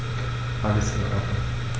Alles in Ordnung.